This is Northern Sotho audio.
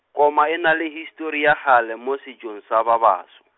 koma e na le histori ya kgale mo setšong sa babaso.